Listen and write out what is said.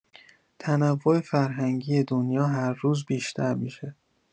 تنوع فرهنگی دنیا هر روز بیشتر می‌شه.